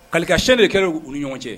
Kalilikasɛyɛn de kɛra u ni ɲɔgɔn cɛ